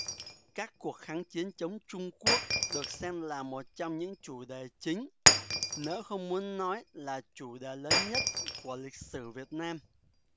các cuộc kháng chiến chống trung quốc được xem là một trong những chủ đề chính nếu không muốn nói là chủ đề lớn nhất của lịch sử việt nam